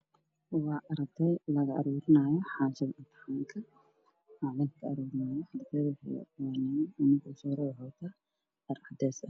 Waa arday laga aruurinaayo xaajadii imtixaanka macalin ka aruurinayo wuxuu wataa fanaanad qaxwi biyo biyo ah